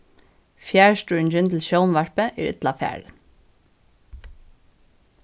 fjarstýringin til sjónvarpið er illa farin